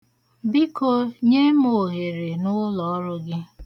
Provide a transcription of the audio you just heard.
Biko, nye m ohere n'ụlọọrụ gị.